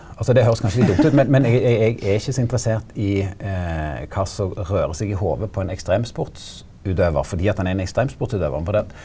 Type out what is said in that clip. altså det høyrest kanskje litt dumt ut, men men eg eg er ikkje så interessert i kva som rører seg i hovudet på ein ekstremsportsutøvar fordi at han er ein ekstremssportsutøvar på .